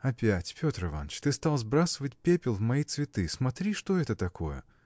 – Опять, Петр Иваныч, ты стал сбрасывать пепел в мои цветы. Смотри, что это такое?